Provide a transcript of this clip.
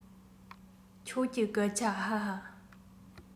ཁྱོད ཀྱི སྐད ཆ ཧ ཧ